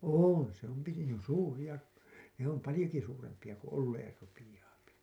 on se on pitempi suuria ne on paljonkin suurempia kun olemaan rupeaa